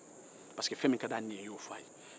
pariseke fɛn min ka di a ni ye i y'o fɔ a ye